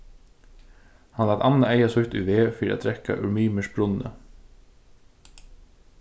hann lat annað eyga sítt í veð fyri at drekka úr mimirs brunni